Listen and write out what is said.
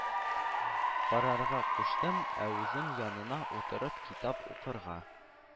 Карарга куштым, ә үзем, янына утырып, китап укырга